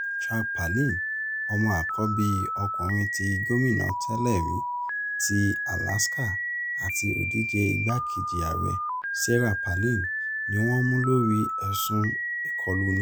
Track Palin, ọmọ àkọ́bí ọkùnrin tí gómìnà tẹlẹ̀ rí ti Alaska àti òdíje igbákejì Ààrẹ Sarah Palin, ni wọn mú lórí ẹsùn ìkọ̀luni.